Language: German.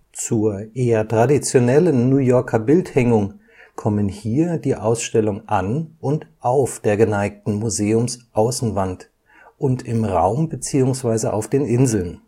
Zur eher traditionellen New Yorker Bildhängung kommen hier die Ausstellung an und auf der geneigten Museumsaußenwand und im Raum bzw. auf den Inseln